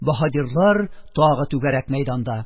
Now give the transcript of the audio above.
Баһадирлар тагы түгәрәк мәйданда.